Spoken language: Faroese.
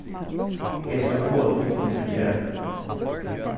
eg skal fáa tykkum at gera tað